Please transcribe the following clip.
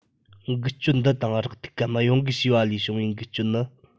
འགུལ སྐྱོད འདི དང རེག ཐུག གམ གཡོ འགུལ བྱས པ ལས བྱུང བའི འགུལ སྐྱོད ནི